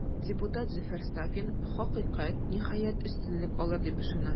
Депутат Зөфәр Сафин, хакыйкать, ниһаять, өстенлек алыр, дип ышана.